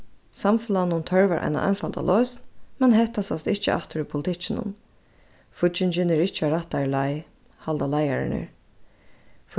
samfelagnum tørvar eina einfalda loysn men hetta sæst ikki aftur í politikkinum fíggingin er ikki á rættari leið halda leiðararnir